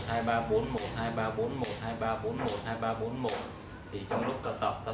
thì trong lúc tập